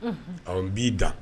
Unhun, awɔ, b'i dan.